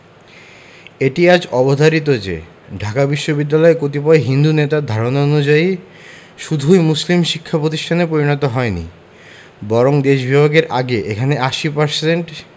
এটিআজ অবধারিত যে ঢাকা বিশ্ববিদ্যালয় কতিপয় হিন্দু নেতার ধারণা অনুযায়ী শুধুই মুসলিম শিক্ষা প্রতিষ্ঠানে পরিণত হয় নি বরং দেশ বিভাগের আগে এখানে ৮০%